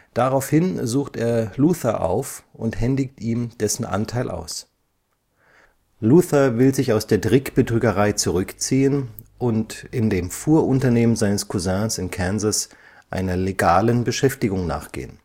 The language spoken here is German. Daraufhin sucht er Luther auf und händigt ihm dessen Anteil aus. Luther will sich aus der Trickbetrügerei zurückziehen und in dem Fuhrunternehmen seines Cousins in Kansas einer legalen Beschäftigung nachgehen